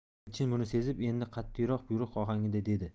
elchin buni sezib endi qat'iyroq buyruq ohangida dedi